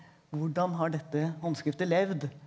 hvordan har dette håndskriftet levd?